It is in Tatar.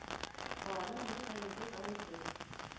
Баланың ни гаебе бар иде